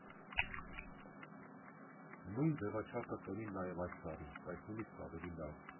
Նույն ձևաչափը կլինի նաև այս տարի, բայց նույնիսկ ավելի լավ.